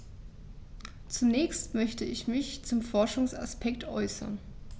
Zunächst möchte ich mich zum Forschungsaspekt äußern.